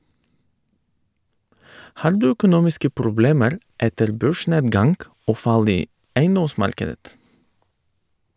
- Har du økonomiske problemer etter børsnedgang og fall i eiendomsmarkedet?